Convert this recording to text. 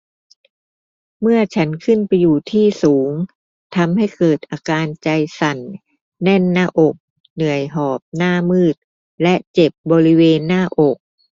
เมื่อฉันขึ้นไปอยู่ที่สูงทำให้เกิดอาการใจสั่นแน่นหน้าอกเหนื่อยหอบหน้ามืดและเจ็บบริเวณหน้าอก